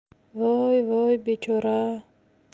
voy voy bechora